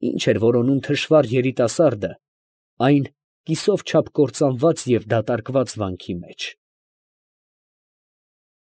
Ի՞նչ էր որոնում թշվառ երիտասարդը այն կիսով չափ կործանված և դատարկված վանքի մեջ…։